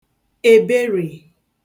ẹ̀bẹrẹ̀